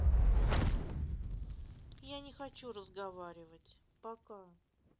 я не хочу разговаривать пока